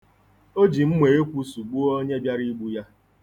O ji mma ekwu sụgbuo onye bịara igbu ya.